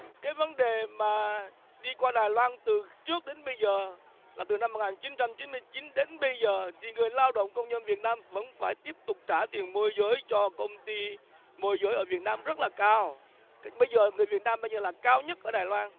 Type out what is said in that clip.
cái vấn đề mà đi qua đài loan từ trước đến bây giờ là từ năm một ngàn chín trăm chín mươi chín đến bây giờ thì người lao động công nhân việt nam vẫn phải tiếp tục trả tiền môi giới cho công ty môi giới ở việt nam rất là cao bây giờ người việt nam bây giờ là cao nhất ở đài loan